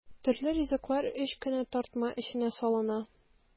Төрле ризыклар өч кечкенә тартма эченә салына.